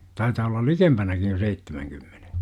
taitaa olla likempänä jo seitsemänkymmenen